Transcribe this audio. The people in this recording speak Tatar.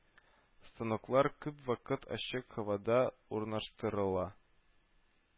Станоклар күп вакыт ачык һавада урнаштырыла